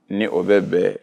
Ni o bɛ bɛn